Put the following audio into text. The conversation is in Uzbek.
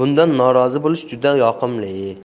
bundan norozi bo'lish juda yoqimli